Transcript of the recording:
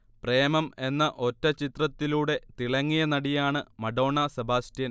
പ്രേമം എന്ന ഒറ്റചിത്രത്തിലൂടെ തിളങ്ങിയ നടിയാണ് മഡോണ സെബാസ്റ്റ്യൻ